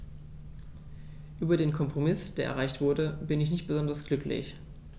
Über den Kompromiss, der erreicht wurde, bin ich nicht besonders glücklich.